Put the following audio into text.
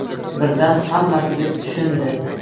birdan hammasiga tushundi